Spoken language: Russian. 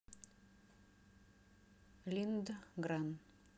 линдгрен